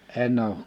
en ole